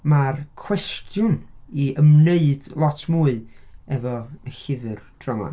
Mae'r cwestiwn i ymwneud lot mwy efo y llyfr tro 'ma.